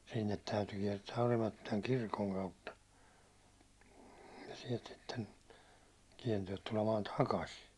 sinne täytyy kiertää Orimattilan kirkon kautta ja sieltä sitten kiertää tulemaan takaisin